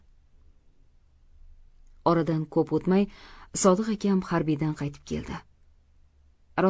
oradan ko'p o'tmay sodiq akam harbiydan qaytib keldi